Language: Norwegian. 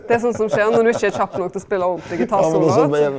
det er sånn som skjer når du ikkje er kjapp nok til å spele ordentlege gitarsoloar.